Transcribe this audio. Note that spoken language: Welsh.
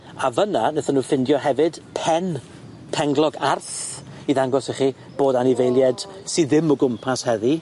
A fynna nethon nw ffindio hefyd pen- penglog arth i ddangos i chi bod anifeilied sy ddim o gwmpas heddi.